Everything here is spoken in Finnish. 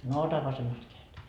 no otan vasemmasta kädestä